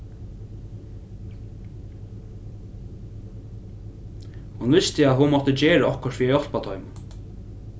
hon visti at hon mátti gera okkurt fyri at hjálpa teimum